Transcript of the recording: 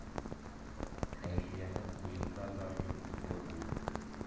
Әлфиянең уенда да юк иде ул.